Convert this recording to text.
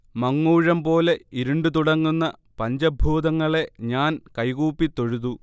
'മങ്ങൂഴംപോലെ ഇരുണ്ടുതുടങ്ങുന്ന പഞ്ചഭൂതങ്ങളെ ഞാൻ കൈകൂപ്പി തൊഴുതു'